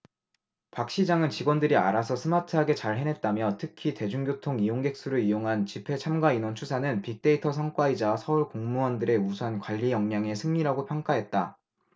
박 시장은 직원들이 알아서 스마트하게 잘 해냈다며 특히 대중교통 이용객 수를 이용한 집회 참가 인원 추산은 빅데이터 성과이자 서울 공무원들의 우수한 관리역량의 승리라고 평가했다